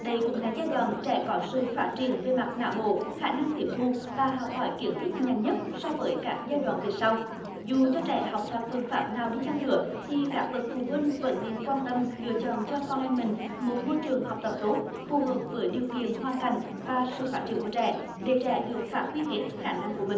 đây cũng là giai đoạn trẻ có sự phát triển về mặt não bộ khả năng tiếp thu và học hỏi kiến thức nhanh nhất so với các giai đoạn về sau dù cho trẻ học theo phương pháp nào đi chăng nữa thì các bậc phụ huynh vẫn nên quan tâm lựa chọn cho con em mình một môi trường học tập tốt phù hợp với điều kiện hoàn cảnh và sự phát triển của trẻ để trẻ được phát huy hết khả năng của mình